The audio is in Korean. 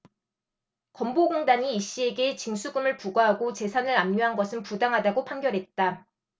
건보공단이 이씨에게 징수금을 부과하고 재산을 압류한 것은 부당하다고 판결했다